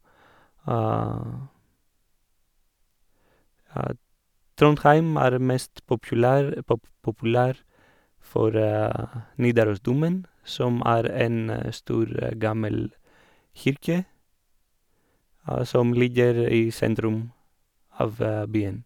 Trondheim er mest populær pop populær for Nidarosdomen, som er en stor, gammel kirke som ligger i sentrum av byen.